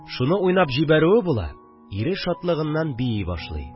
Шуны уйнап җибәрүе була – ире шатлыгыннан бии башлый